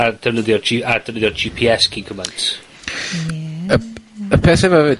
a defnyddio Gee, a defnyddio'r Gee Pee Ess cyn gymaint. Ie. Y p-, y peth hefo hefyd